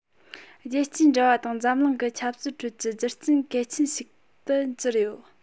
རྒྱལ སྤྱིའི འབྲེལ བ དང འཛམ གླིང གི ཆབ སྲིད ཁྲོད ཀྱི རྒྱུ རྐྱེན གལ ཆེན ཞིག ཏུ གྱུར ཡོད